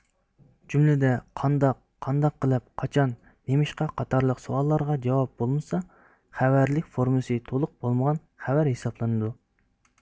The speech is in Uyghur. جۈملىدە قانداق قانداق قىلىپ قاچان نېمىشقا قاتارلىق سوئاللارغا جاۋاب بولمىسا خەۋەرلىك فورمىسى تولۇق بولمىغان خەۋەر ھېسابلىنىدۇ